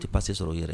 I tɛ pa se sɔrɔ yɛrɛ